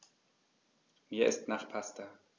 Mir ist nach Pasta.